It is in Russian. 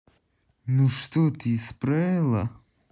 ну что ты исправила